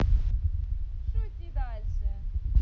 шути дальше